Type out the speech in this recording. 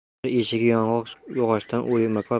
hujra eshigi yong'oq yog'ochidan o'ymakor